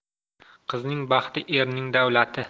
qizning baxti erning davlati